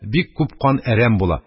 Бик күп кан әрәм була.